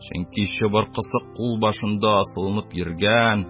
Чөнки чыбыркысы кул башына асылынып йөргән